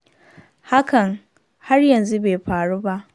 Hakan har yanzu bai faru ba.